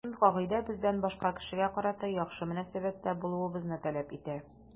Алтын кагыйдә бездән башка кешегә карата яхшы мөнәсәбәттә булуыбызны таләп итә.